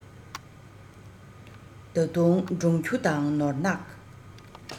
ད དུང འབྲོང ཁྱུ དང ནོར གནག